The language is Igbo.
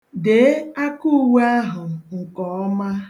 Dee akauwe ahụ nkeọma